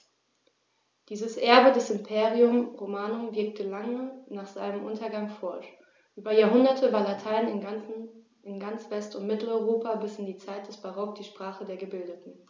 Dieses Erbe des Imperium Romanum wirkte lange nach seinem Untergang fort: Über Jahrhunderte war Latein in ganz West- und Mitteleuropa bis in die Zeit des Barock die Sprache der Gebildeten.